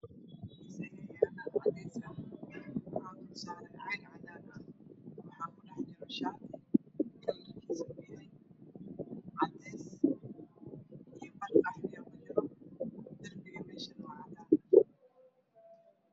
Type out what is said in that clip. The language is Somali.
Miis ayaa yaalo cadeys ah waxaa saaran caag cadaan ah waxaa ku dhex jiro shaati cadeys ah iyo dhar qaxwi ah. Darbiguna waa cadaan.